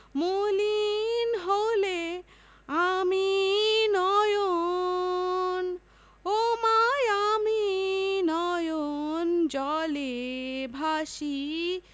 মলিন হলে ওমা আমি নয়ন ওমা আমি নয়ন জলে ভাসি